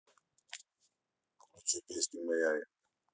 включи песню мэй ай